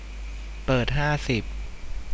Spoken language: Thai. เปิดห้าสิบ